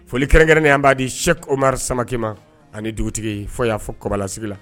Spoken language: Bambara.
Foli kɛrɛnkɛrɛnnen n b'a di Sɛk Umaru samakɛ ma, ani dugutigi fɔ y'a fɔ kobala sigi la.